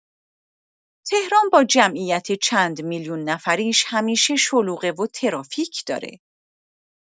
تهران با جمعیت چند میلیون‌نفریش همیشه شلوغه و ترافیک داره.